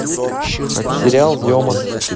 сериал зема